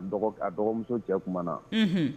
Dɔgɔ a dɔgɔmuso cɛ kumana Unhun